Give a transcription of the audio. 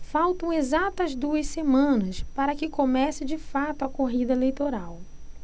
faltam exatas duas semanas para que comece de fato a corrida eleitoral